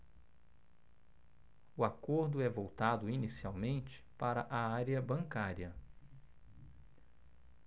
o acordo é voltado inicialmente para a área bancária